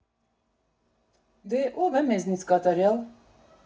Դե՛, ո՞վ է մեզնից կատարյալ։